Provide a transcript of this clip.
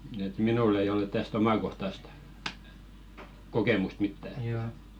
että minulla ei ole tästä omakohtaista kokemusta mitään että